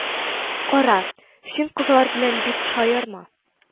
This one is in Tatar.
Кара, син кызлар белән бик шаярма